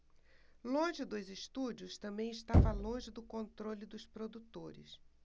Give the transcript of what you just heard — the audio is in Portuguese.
longe dos estúdios também estava longe do controle dos produtores